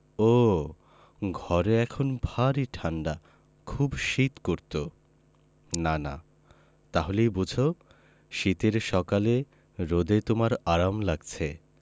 ওহ ঘরে এখন ভারি ঠাণ্ডা খুব শীত করত নানা তা হলেই বোঝ শীতের সকালে রোদে তোমার আরাম লাগছে